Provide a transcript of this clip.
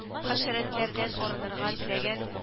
Хәшәрәтләрдән арынырга теләгән